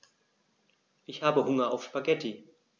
Ich habe Hunger auf Spaghetti.